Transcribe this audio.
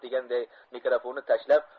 deganday mikrofonni tashlab